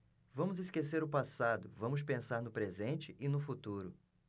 vamos esquecer o passado vamos pensar no presente e no futuro